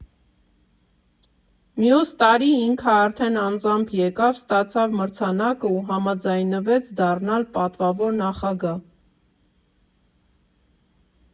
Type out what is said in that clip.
Մյուս տարի ինքը արդեն անձամբ եկավ, ստացավ մրցանակը ու համաձայնվեց դառնալ պատվավոր նախագահ։